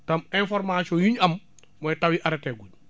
tam information yi ñu am mooy taw yi arrêté gu ñu